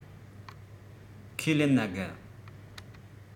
ཁས ལེན ན དགའ